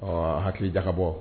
Ɔ hakili jabɔ